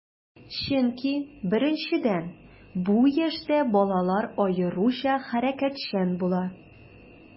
Чөнки, беренчедән, бу яшьтә балалар аеруча хәрәкәтчән була.